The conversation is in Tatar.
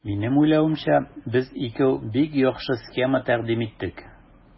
Минем уйлавымча, без икәү бик яхшы схема тәкъдим иттек.